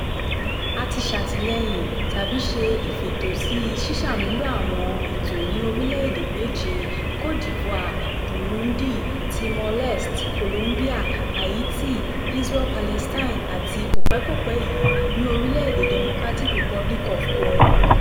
A ti ṣàtìlẹ́yìn tàbí ṣe ìfétòsí sísàmúlò àwọn ètò ní orílẹ̀ èdè méje: Cote d'Ivoire, Burundi, Timor Leste, Colombia, Haiti, Isreal-Palestine àti, ní kòpẹ́kòpẹ́ yìí, ní orílẹ̀ èdè Democratic Republic of Congo.